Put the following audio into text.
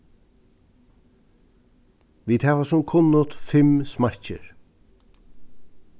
vit hava sum kunnugt fimm smakkir